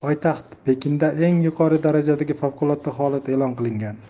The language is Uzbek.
poytaxt pekinda eng yuqori darajadagi favqulodda holat e'lon qilingan